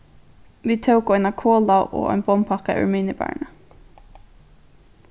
vit tóku eina kola og ein bommpakka úr minibarrini